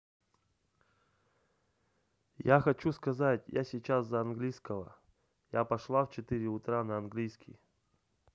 я хочу сказать я сейчас за английского я пошла в четыре утра на английский